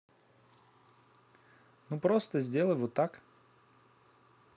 ну просто сделай вот так